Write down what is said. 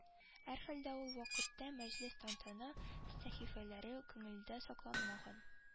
Әрхәлдә ул вакыттагы мәҗлес-тантана сәхифәләре күңелендә сакланмаган